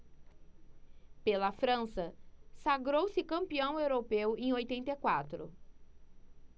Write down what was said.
pela frança sagrou-se campeão europeu em oitenta e quatro